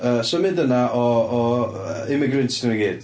Yy symud yna o o... yy immigrants 'di nhw i gyd.